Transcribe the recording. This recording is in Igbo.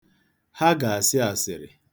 Ha ga-asị asịrị.